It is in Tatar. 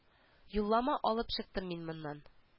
Юллама алып чыктым мин моннан